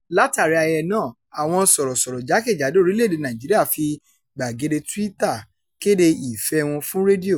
Látàrí ayẹyẹ náà, àwọn sọ̀rọ̀sọ̀rọ̀ jákèjádò orílẹ̀-èdèe Nàìjíríà fi gbàgede Twitter kéde ìfẹ́ ẹ wọn fún rédíò: